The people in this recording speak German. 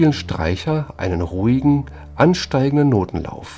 Streicher einen ruhigen, ansteigenden Notenlauf